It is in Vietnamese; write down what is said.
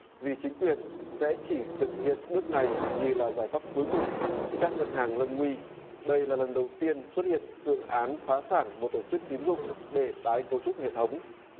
vì chính quyền sẽ chỉ thực hiện bước này như là giải pháp cuối cùng khi các ngân hàng lâm nguy đây là lần đầu tiên xuất hiện phương án phá sản một tổ chức tín dụng để tái cấu trúc hệ thống